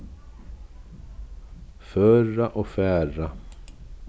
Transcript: føra og fara